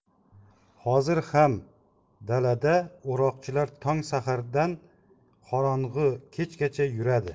hozir ham dalada o'roqchilar tong sahardan qorong'i kechgacha yuradi